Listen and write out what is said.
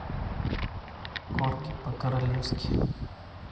корги по королевски